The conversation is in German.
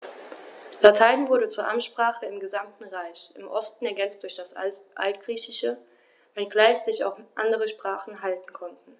Latein wurde zur Amtssprache im gesamten Reich (im Osten ergänzt durch das Altgriechische), wenngleich sich auch andere Sprachen halten konnten.